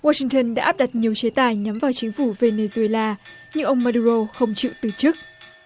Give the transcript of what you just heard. oa sinh tơn đã đặt nhiều chế tài nhắm vào chính phủ vê nê du ê na nhưng ông ma đu rô không chịu từ chức